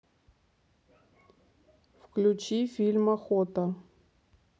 включи фильм охота